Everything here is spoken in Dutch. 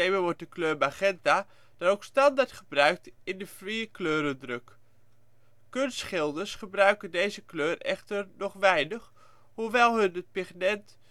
wordt de kleur magenta dan ook standaard gebruikt in de vier-kleurendruk. Kunstschilders gebruiken deze kleur echter nog weinig, hoewel hun het pigment